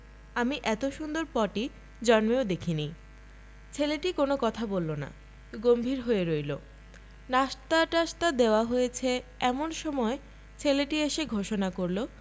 আমি এত সুন্দর পটি জন্মেও দেখিনি ছেলেটি কোন কথা বলল না গম্ভীর হয়ে রইল নশিতাটাসতা দেয়া হয়েছে এমন সময় ছেলেটি এসে ঘোষণা করল